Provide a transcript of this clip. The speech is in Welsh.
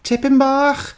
Tipyn bach.